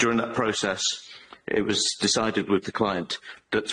Durin' that process it was decided with the client d-